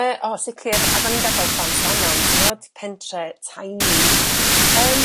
Yy o sicr ag oni'n oni'n gada'l Llansannan ti'ngod pentre' tiny yym